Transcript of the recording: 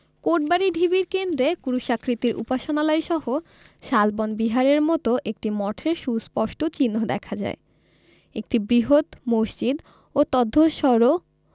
কোটবাড়ি ঢিবির কেন্দ্রে ক্রুশাকৃতির উপাসনালয়সহ শালবন বিহারের মতো একটি মঠের সুস্পষ্ট চিহ্ন দেখা যায় একটি বৃহৎ মসজিদ ও তদ্ধসঢ়